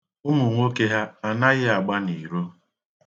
Ụmụnwoke ha anaghị agba n'iro.